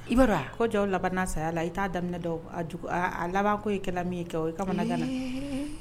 I b'a dɔn wa ko dɔ laban na saya i t'a daminɛ dɔn a laban ko ye kɛ la min kɛ o ye kamanangan na.